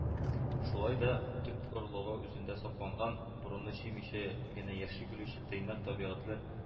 Шулай да төп орлыгы үзендә сакланган — борынны чөймичә генә яши белүче тыйнак табигатьле